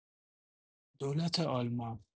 دولت آلمان